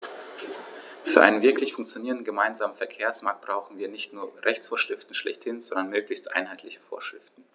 Für einen wirklich funktionierenden gemeinsamen Verkehrsmarkt brauchen wir nicht nur Rechtsvorschriften schlechthin, sondern möglichst einheitliche Vorschriften.